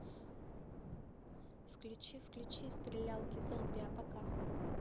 включи включи стрелялки зомби апока